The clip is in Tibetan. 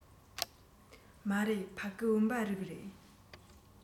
མ རེད ཕ གི བུམ པ རི རེད